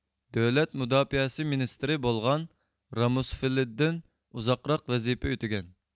دۆلەت مۇداپىئەسى مىنىستىرى بولغان راموسفېلېددىن ئۇزاقراق ۋەزىپە ئۆتىگەن